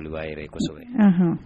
Foli b'a yɛrɛ kɔsɛbɛ; anhan.